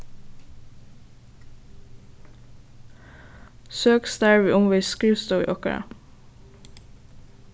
søk starvið umvegis skrivstovu okkara